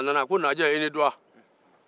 a ko naaje i ni dɔgɔ